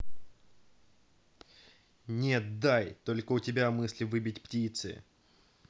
нет дай только у тебя мысли выбить птицы